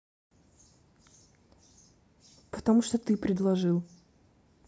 потому что ты предложил